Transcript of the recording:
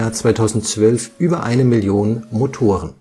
2012 über eine Million Motoren